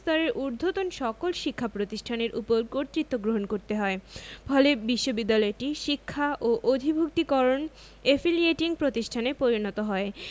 স্তরের ঊধ্বর্তন সকল শিক্ষা প্রতিষ্ঠানের ওপর কর্তৃত্ব গ্রহণ করতে হয় ফলে বিশ্ববিদ্যালয়টি শিক্ষা ও অধিভূক্তিকরণ এফিলিয়েটিং প্রতিষ্ঠানে পরিণত হয়